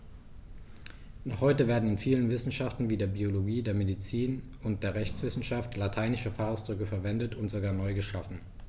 Noch heute werden in vielen Wissenschaften wie der Biologie, der Medizin und der Rechtswissenschaft lateinische Fachausdrücke verwendet und sogar neu geschaffen.